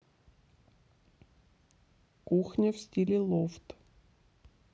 кухня в стиле лофт